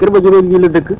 kër Madiabel bii la dëkk